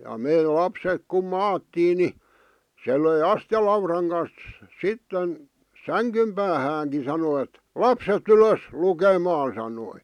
ja me lapset kun maattiin niin se löi astialaudan kanssa sitten sängyn päähänkin sanoi että lapset ylös lukemaan sanoi